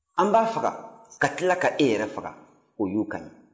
an b'a faga ka tila ka e yɛrɛ faga o y'u kan ye